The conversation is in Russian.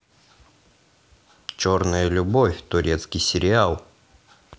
черная любовь турецкий сериал